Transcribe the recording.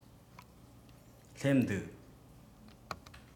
སླེབས འདུག